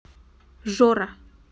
жора